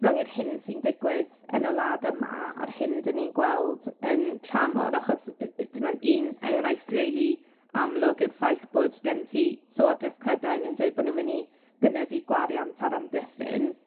rwng yr hyn sy'n digwydd yn y wlad yma a'r hyn 'dyn ni'n gweld yn tramor Achos yy t'mod un enghraifft rili amlwg yw'r ffaith bod gen ti Llywodreth Prydain yn dweud bo' nw'n myn' i gynyddu gwariant ar amddiffyn